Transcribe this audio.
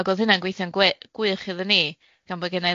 Ag o'dd hynna'n gweithio'n gwe- gwych iddyn ni, gan bo' genna'i